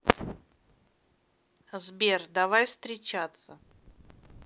сбер давай встречаться